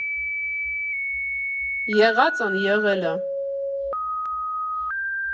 Էղածն էղել ա։